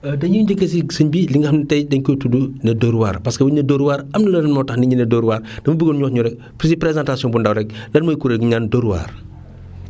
dañuy njëkkee si sëñ bi li nga xam ne tey dañ koy tudd ne Dóor waar parce que bu ñu nee Dóor waar ana lan moo tax nit ñi ne Dóor waar dama bëggoon ñu wax ñu rek si présentation bu ndaw rek lan mooy kuréel gi ñu naan Dóor waar